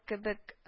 Кебек